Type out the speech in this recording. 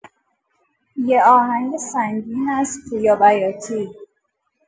یه آهنگ سنگین از پویا بیاتی